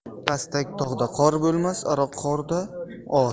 pastak tog'da qor bo'lmas aroqxo'rda or